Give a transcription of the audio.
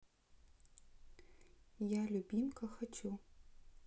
я любимка хочу